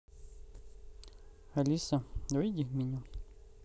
алиса выйди в меню